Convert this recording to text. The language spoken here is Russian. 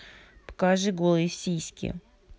покажи голые сиськи